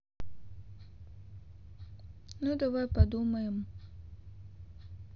ну давай подумаем